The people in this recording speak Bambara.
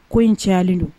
Ko in cɛlen don